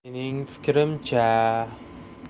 mening fikrimcha